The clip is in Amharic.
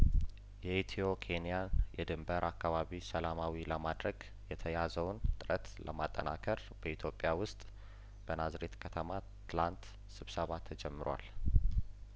የኢትዮ ኬንያን የድንበር አካባቢ ሰላማዊ ለማድረግ የተያዘውን ጥረት ለማጠናከር በኢትዮጵያ ውስጥ በናዝሬት ከተማ ትላንት ስብሰባ ተጀምሯል